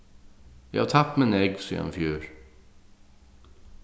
eg havi tapt meg nógv síðan í fjør